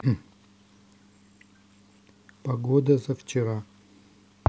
погода за вчера